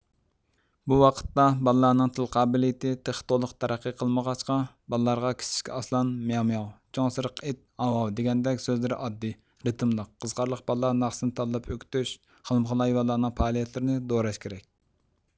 بۇ ۋاقىتتا بالىلارنىڭ تىل قابىلىيىتى تېخى تولۇق تەرەققىي قىلمىغاچقا بالىلارغا كىچىك ئاسلان مىياۋ مىياۋ چوڭ سېرىق ئىت ھاۋ ھاۋ دېگەندەك سۆزلىرى ئاددىي رىتىملىق قىزىقارلىق بالىلار ناخشىسىنى تاللاپ ئۆگىتىش خىلمۇخىل ھايۋانلارنىڭ پائالىيەتلىرىنى دوراش كېرەك